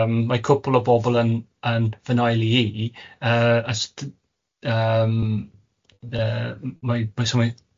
yym mae cwpwl o bobl yn yn fy neulu i yy os d- yym yy m- mae b- so mae